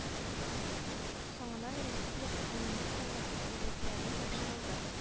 Соңыннан республика һәм министрлык бүләкләрен тапшырылды